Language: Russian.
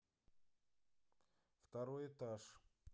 второй этаж